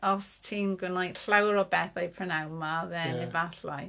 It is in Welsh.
Os ti'n gwneud llawer o bethau p'nawn 'ma, then efallai.